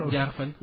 jaar fan